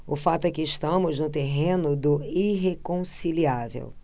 o fato é que estamos no terreno do irreconciliável